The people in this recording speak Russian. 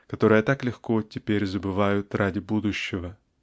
которое так легко теперь забывают ради будущего